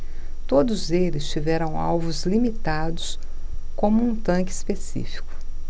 todos eles tiveram alvos limitados como um tanque específico